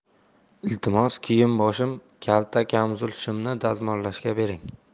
iltimos kiyim boshim kalta kamzul shimni dazmollashga bering